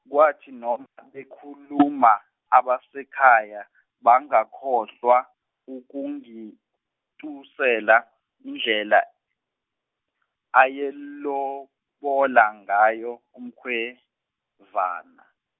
kwathi noma bekhuluma abasekhaya bangakhohlwa ukungitusela indlela ayelobola ngayo umkhwenvana.